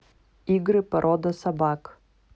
игры порода собак